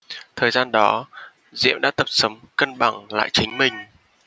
thời gian đó diễm đã tập sống cân bằng lại chính mình